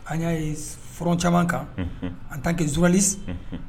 An y'a ye f caman kan an ta kɛ zwali